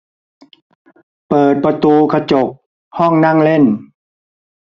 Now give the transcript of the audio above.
เปิดประตูกระจกห้องนั่งเล่น